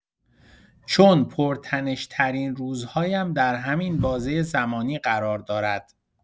چون پرتنش‌ترین روزهایم در همین بازه زمانی قرار دارد.